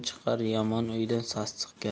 chiqar yomon uydan sassiq gap